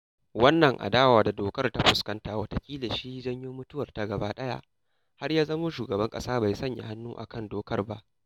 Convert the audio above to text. Wannan adawa da dokar ta fuskanta wataƙila shi ya janyo mutuwarta gaba ɗaya - har ya zamo shugaban ƙasa bai sanya hannu a kan dokar ba.